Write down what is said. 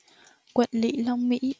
quận lỵ long mỹ